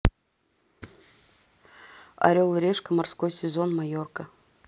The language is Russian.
орел и решка морской сезон майорка